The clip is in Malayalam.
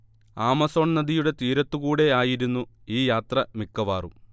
ആമസോൺ നദിയുടെ തീരത്തുകൂടെ ആയിരുന്നു ഈ യാത്ര മിക്കവാറും